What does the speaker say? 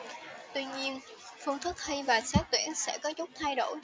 tuy nhiên phương thức thi và xét tuyển sẽ có chút thay đổi